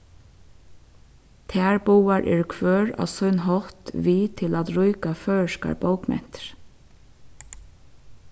tær báðar eru hvør á sín hátt við til at ríka føroyskar bókmentir